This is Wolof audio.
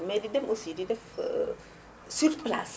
mais di dem aussi di def sur place